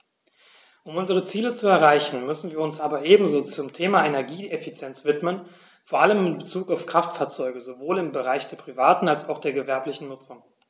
Um unsere Ziele zu erreichen, müssen wir uns aber ebenso dem Thema Energieeffizienz widmen, vor allem in Bezug auf Kraftfahrzeuge - sowohl im Bereich der privaten als auch der gewerblichen Nutzung.